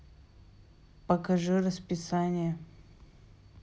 покажи расписание